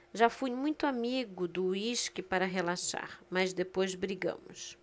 já fui muito amigo do uísque para relaxar mas depois brigamos